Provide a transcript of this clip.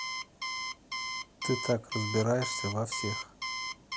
ты так разбираешься во всех